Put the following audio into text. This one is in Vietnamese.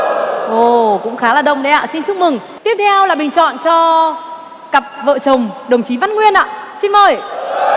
ồ cũng khá là đông đấy ạ xin chúc mừng tiếp theo là bình chọn cho cặp vợ chồng đồng chí văn nguyên ạ xin mời